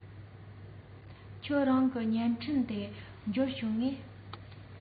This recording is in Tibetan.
ཁྱེད རང གི བརྙན འཕྲིན དེ འབྱོར བྱུང ངས